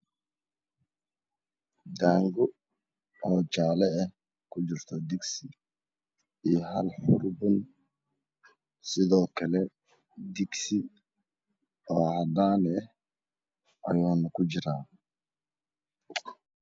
Daango oo jaalo ah ku jirto digsi iyo hal xurbi sidoo kale digsi oo cadaan ah ayuuna ku jiraa